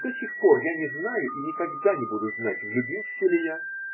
До сих пор я не знаю и никогда не буду знать, влюбился ли я.